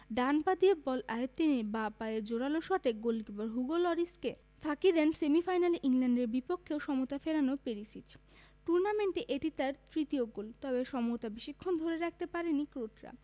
ডান পা দিয়ে বল আয়ত্তে নিয়ে বাঁ পায়ের জোরালো শটে গোলকিপার হুগো লরিসকে ফাঁকি দেন সেমিফাইনালে ইংল্যান্ডের বিপক্ষেও সমতা ফেরানো পেরিসিচ টুর্নামেন্টে এটি তার তৃতীয় গোল তবে সমতা বেশিক্ষণ ধরে রাখতে পারেনি ক্রোটরা